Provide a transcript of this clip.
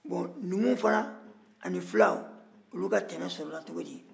bon numuw fana ani filaw olu ka tana sɔrɔla cogo di